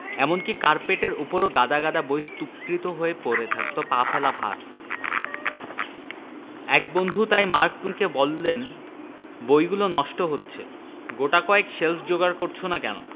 এমনকি কার্পেটের উপরও গাদা গাদা বই স্তূপীকৃত হয়ে পড়ে থাকত পা ফেলা ভার এক বন্ধু তাই মার্ক টুয়েনকে বললেন বইগুলো নষ্ট হচ্ছে গোটাকয়েক শেল্ফ যোগাড় করছ না কেন